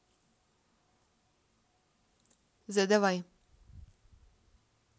задавай